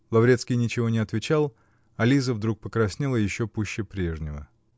Лаврецкий ничего не отвечал, а Лиза вдруг покраснела еще пуще прежнего.